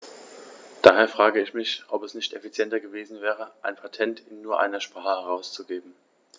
Daher frage ich mich, ob es nicht effizienter gewesen wäre, ein Patent in nur einer Sprache herauszugeben.